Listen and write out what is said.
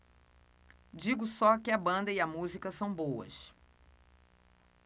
digo só que a banda e a música são boas